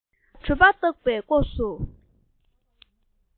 ཁྱིམ ནང དུ ཟ མ འདྲ